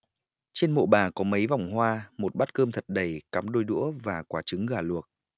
trên mộ bà có mấy vòng hoa một bát cơm thật đầy cắm đôi đũa và quả trứng gà luộc